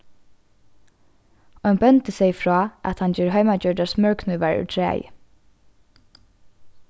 ein bóndi segði frá at hann ger heimagjørdar smørknívar úr træi